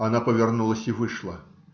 Она повернулась и вышла.